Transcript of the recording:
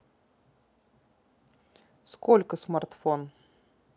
сколько смартфон